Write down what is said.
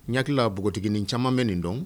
Yaki npogotigiig ni caman bɛ nin dɔn